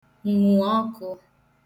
nwụ̀ ọkụ